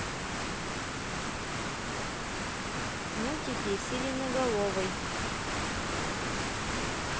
мультики сиреноголовый